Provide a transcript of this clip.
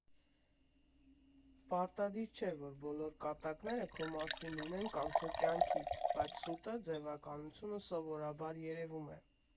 Պարտադիր չէ, որ բոլոր կատակները քո մասին լինեն կամ քո կյանքից, բայց սուտը, ձևականությունը սովորաբար երևում է։